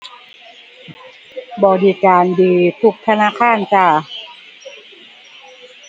บริการดีทุกธนาคารจ้า